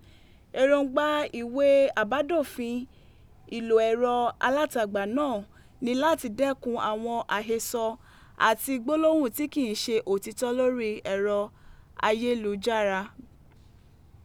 Èròńgbà ìwé àbádòfin ìlò ẹ̀rọ alátagbà náà ni láti dẹ́kun àwọn àhesọ àti gbólóhùn tí kì í ṣe òtítọ́ lórí ẹ̀rọ ayélujára.